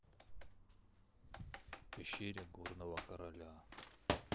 в пещере горного короля